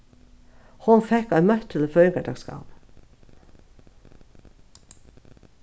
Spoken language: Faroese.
hon fekk ein møttul í føðingardagsgávu